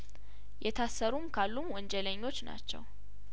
የታሰሩም ካሉም ወንጀለኞች ናቸው